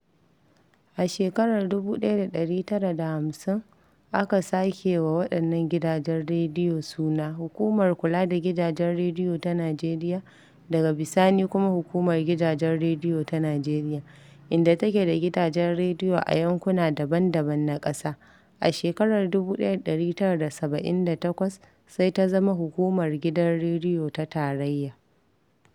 A shekarar 1950 aka sake wa wannan gidan rediyo suna Hukumar Kula da Gidajen Rediyo Ta Nijeriya, daga bisani kuma Hukumar Gidajen Radiyo Ta Nijeriya, inda take da gidajen rediyo a yankuna daban-daban na ƙasa. A shekarar 1978 sai ta zama Hukumar Gidan Radiyo ta Tarayya.